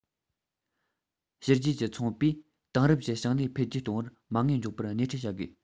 ཕྱི རྒྱལ གྱི ཚོང པས དེང རབས ཀྱི ཞིང ལས འཕེལ རྒྱས གཏོང བར མ དངུལ འཇོག པར སྣེ འཁྲིད བྱ དགོས